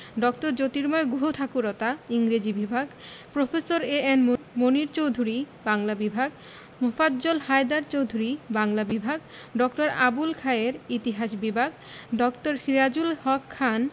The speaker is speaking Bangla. ড. জ্যোতির্ময় গুহঠাকুরতা ইংরেজি বিভাগ প্রফেসর এ.এন মুনীর চৌধুরী বাংলা বিভাগ মোফাজ্জল হায়দার চৌধুরী বাংলা বিভাগ ড. আবুল খায়ের ইতিহাস বিভাগ ড. সিরাজুল হক খান